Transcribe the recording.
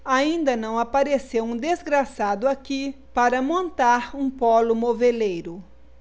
ainda não apareceu um desgraçado aqui para montar um pólo moveleiro